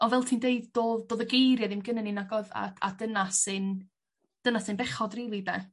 On' fel ti'n deud dodd dodd y geiria ddim gynnyn ni nag odd a a dyna sy'n dyna sy'n bechod rili 'de?